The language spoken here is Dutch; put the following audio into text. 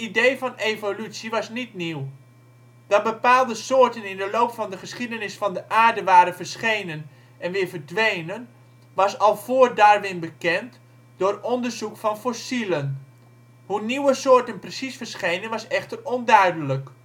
idee van evolutie was niet nieuw. Dat bepaalde soorten in de loop van de geschiedenis van de Aarde waren verschenen en weer verdwenen was al voor Darwin bekend door onderzoek van fossielen. Hoe nieuwe soorten precies verschenen was echter onduidelijk